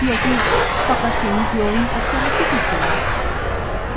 yoki faqat sening kuyoving askarlikka ketganmi